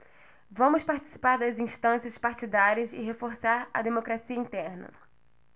vamos participar das instâncias partidárias e reforçar a democracia interna